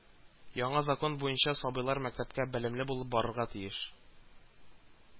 Яңа закон буенча сабыйлар мәктәпкә белемле булып барырга тиеш